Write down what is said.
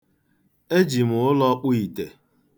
Eji m ụlọ kpụ ite.